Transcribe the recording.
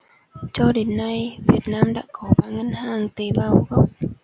cho đến nay việt nam đã có ba ngân hàng tế bào gốc